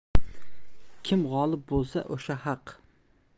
kim g'olib bo'lsa o'sha haq